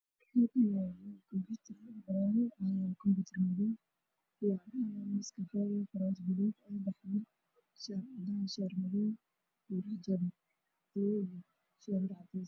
Waa meel ay fadhiyaan niman baranaayo kumbiitaro